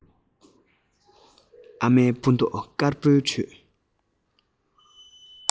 ཨ མའི སྤུ མདོག དཀར པོའི ཁྲོད